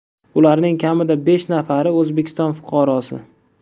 ularning kamida besh nafari o'zbekiston fuqarosi